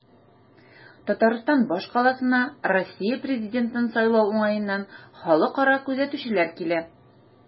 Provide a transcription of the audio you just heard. Татарстан башкаласына Россия президентын сайлау уңаеннан халыкара күзәтүчеләр килә.